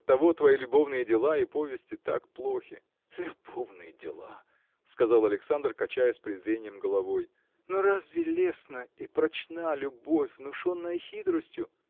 оттого твои любовные дела и повести так плохи. – Любовные дела! – сказал Александр качая с презрением головой – но разве лестна и прочна любовь внушенная хитростью?